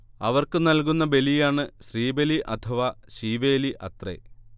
അവർക്ക് നൽകുന്ന ബലിയാണ് ശ്രീബലി അഥവാ ശീവേലി അത്രെ